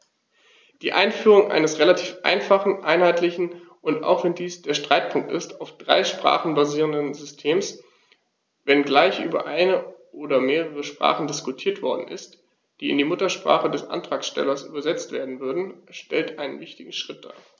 Die Einführung eines relativ einfachen, einheitlichen und - auch wenn dies der Streitpunkt ist - auf drei Sprachen basierenden Systems, wenngleich über eine oder mehrere Sprachen diskutiert worden ist, die in die Muttersprache des Antragstellers übersetzt werden würden, stellt einen wichtigen Schritt dar.